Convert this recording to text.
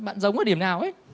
bạn giống ở điểm nào hết